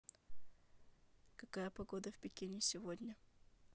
какая погода в пекине сегодня